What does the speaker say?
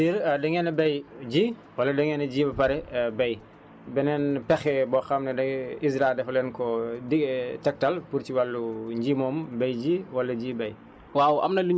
dina réussir dangeen a béy ji wala dangeen a ji ba pare béy beneen pexe boo xam ne de ISRA daf leen koo dige tegtal pour ci wàllu nji moomu béy ji wala ji béy